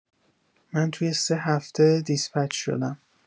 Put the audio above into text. من توی ۳ هفته دیسپچ شدم.